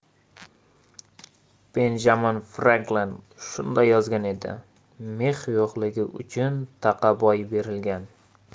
benjamin franklin shunday yozgan edi mix yo'qligi uchun taqa boy berilgan